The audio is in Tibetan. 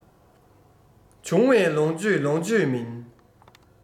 བྱུང བའི ལོངས སྤྱོད ལོངས སྤྱོད མིན